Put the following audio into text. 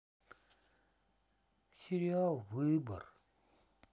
сериал выбор